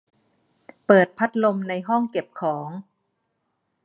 เปิดพัดลมในห้องเก็บของ